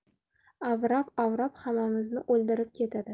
avrab avrab hammamizni o'ldirib ketadi